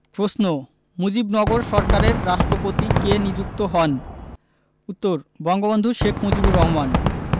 প্রশ্ন মুজিবনগর সরকারের রাষ্ট্রপতি কে নিযুক্ত হন উত্তর বঙ্গবন্ধু শেখ মুজিবুর রহমান